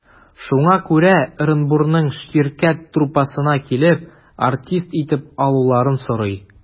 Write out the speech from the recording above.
Шуңа күрә Ырынбурның «Ширкәт» труппасына килеп, артист итеп алуларын сорый.